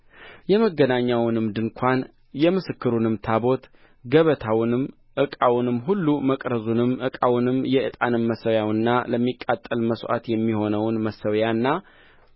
የመገናኛውንም ድንኳን የምስክሩንም ታቦት ገበታውንም ዕቃውንም ሁሉ መቅረዙንም ዕቃውንም የዕጣን መሠዊያውንም ለሚቃጠል መሥዋዕት የሚሆነውን መሠዊያና